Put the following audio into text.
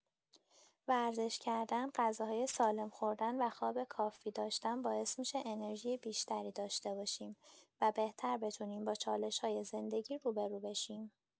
ورزش کردن، غذاهای سالم خوردن و خواب کافی داشتن باعث می‌شه انرژی بیشتری داشته باشیم و بهتر بتونیم با چالش‌های زندگی روبه‌رو بشیم.